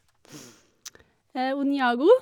Onjago.